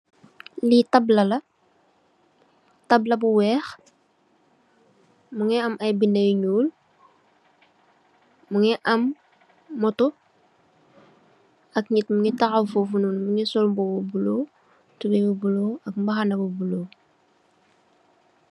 Li taabla, taabla bu weeh mungi am ay binda yu ñuul, mungi am moto ak nit mungi tahaw fofunoon, mungi sol mbuba bu bulo, tubeye bu bulo ak mbahana bu bulo.